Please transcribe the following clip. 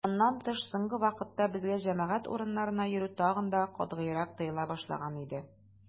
Моннан тыш, соңгы вакытта безгә җәмәгать урыннарына йөрү тагын да катгыйрак тыела башлаган иде.